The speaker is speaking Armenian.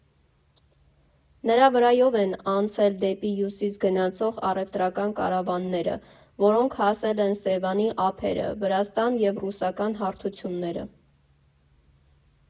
Նրա վրայով են անցել դեպի հյուսիս գնացող առևտրական կարավանները, որոնք հասել են Սևանի ափերը, Վրաստան և ռուսական հարթությունները։